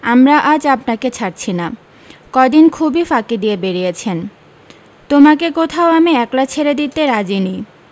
আমরা আজ আপনাকে ছাড়ছি না কদিন খুবি ফাঁকি দিয়ে বেড়িয়েছেন তোমাকে কোথাও আমি একলা ছেড়ে দিতে রাজি নি